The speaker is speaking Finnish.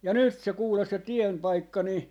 ja nyt se kuule se tienpaikka niin